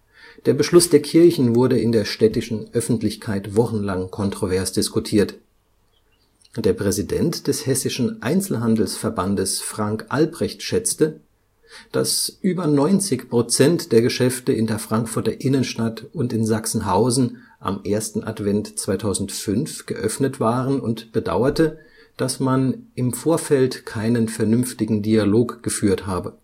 Der Beschluss der Kirchen wurde in der städtischen Öffentlichkeit wochenlang kontrovers diskutiert. Der Präsident des Hessischen Einzelhandelsverbandes Frank Albrecht schätzte, dass über 90 % der Geschäfte in der Frankfurter Innenstadt und in Sachsenhausen am Ersten Advent 2005 geöffnet waren und bedauerte, dass man „ im Vorfeld keinen vernünftigen Dialog geführt habe